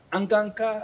An k'an ka